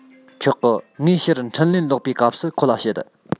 ཆོག གི ངས ཕྱིར འཕྲིན ལན ལོག པའི སྐབས སུ ཁོ ལ བཤད